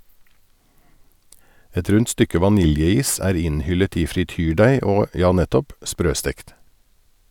Et rundt stykke vaniljeis er innhyllet i frityrdeig og, ja nettopp, sprøstekt.